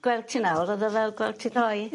gweld ti nawr o'dd o fel gweld ti ddoe...